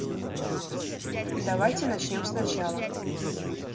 давайте начнем сначала